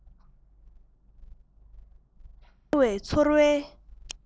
འཕར བའི ཚོར བའི